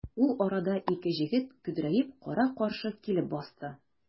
Ул арада ике җегет көдрәеп кара-каршы килеп басты.